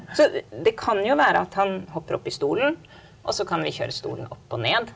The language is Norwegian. su det kan jo være at han hopper opp i stolen og så kan vi kjøre stolen opp og ned.